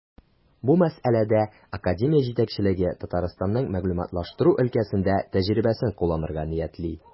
Бу мәсьәләдә академия җитәкчелеге Татарстанның мәгълүматлаштыру өлкәсендә тәҗрибәсен кулланырга ниятли.